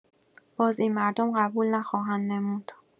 باز این مردم قبول نخواهند نمود.